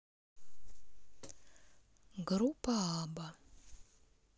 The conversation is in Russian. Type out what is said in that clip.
группа абба